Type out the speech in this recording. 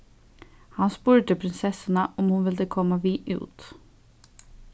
hann spurdi prinsessuna um hon vildi koma við út